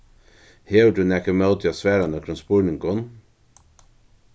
hevur tú nakað ímóti at svara nøkrum spurningum